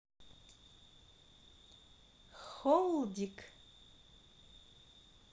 holdik